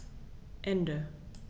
Ende.